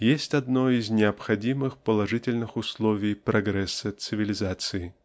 есть одно из необходимых положительных условий прогресса цивилизации.